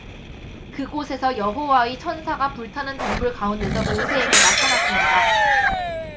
그곳에서 여호와의 천사가 불타는 덤불 가운데서 모세에게 나타났습니다